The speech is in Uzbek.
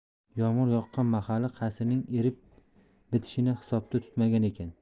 yomg'ir yoqqan mahali qasrning erib bitishini hisobda tutmagan ekan